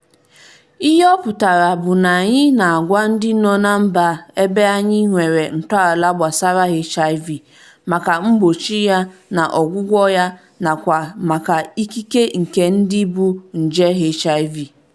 Ihe ọ pụtara bụ na anyị na-agwa ndị nọ na mba ebe anyị nwere ntọala gbasara HIV, maka mgbochi ya na ọgwụgwọ ya nakwa maka ikike nke ndị bu nje HIV.